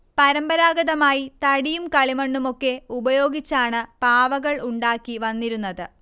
പരമ്പരാഗതമായി തടിയും കളിമണ്ണുമൊക്കെ ഉപയോഗിച്ചാണ് പാവകൾ ഉണ്ടാക്കി വന്നിരുന്നത്